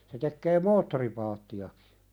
se tekee moottoripaattejakin